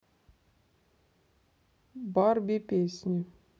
барби песни